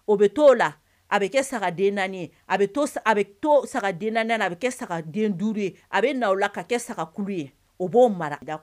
O bɛ to la a bɛ kɛ saga den naani saga den naani a bɛ kɛ saga den duuru ye a bɛ na la ka kɛ sa ye o b'o mara